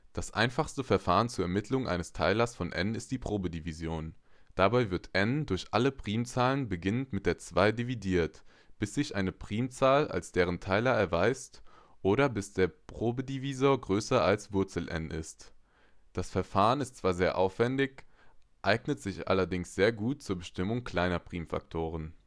Das einfachste Verfahren zur Ermittlung eines Teilers von n {\ displaystyle n} ist die Probedivision. Dabei wird n {\ displaystyle n} durch alle Primzahlen beginnend mit der Zwei dividiert, bis sich eine Primzahl als deren Teiler erweist oder bis der Probedivisor größer als n {\ displaystyle {\ sqrt {n}}} ist. Das Verfahren ist zwar sehr aufwändig, eignet sich allerdings sehr gut zur Bestimmung kleiner Primfaktoren